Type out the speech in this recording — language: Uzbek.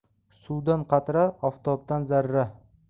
suvdan qatra oftobdan zarra